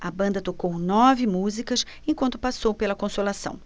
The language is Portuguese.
a banda tocou nove músicas enquanto passou pela consolação